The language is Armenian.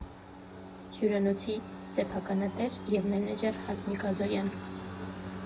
Հյուրանոցի սեփականատեր և մենեջեր Հասմիկ Ազոյան։